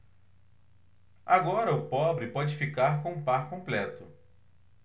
agora o pobre pode ficar com o par completo